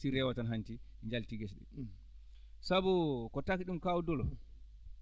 ti reewa tan hanti njaltii ngese ɗee sabu ko ko taki ɗum kaw Doulo